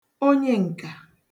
onyeǹkà